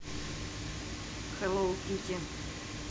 хэллоу китти